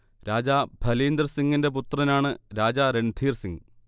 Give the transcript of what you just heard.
രാജാ ഭലീന്ദർ സിങ്ങിന്റെ പുത്രനാണ് രാജാ രൺധീർ സിങ്